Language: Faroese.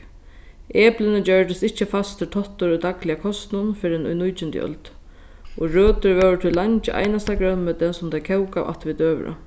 eplini gjørdust ikki fastur táttur í dagliga kostinum fyrr enn í nítjandu øld og røtur vóru tí leingi einasta grønmeti sum tey kókaðu aftur við døgurða